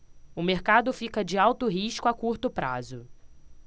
o mercado fica de alto risco a curto prazo